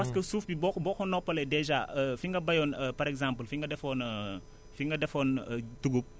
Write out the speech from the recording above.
parce que suuf bi boo boo ko noppalee dèjà fi nga béyoon par exemple fi nga defoon fi nga defoon dugub